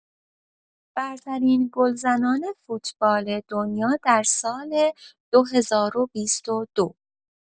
برترین گلزنان فوتبال دنیا در سال ۲۰۲۲